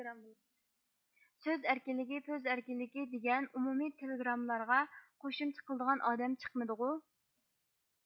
سۆز ئەركىنلىكى پۆز ئەركىنلىكى دېگەن ئومۇمىي تېلېگراممىلارغا قوشۇمچە قىلىدىغان ئادەم چىقمىدىغۇ